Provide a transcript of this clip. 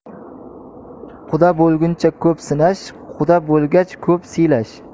quda bo'lguncha ko'p sinash quda bo'lgach ko'p siylash